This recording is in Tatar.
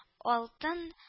Алтын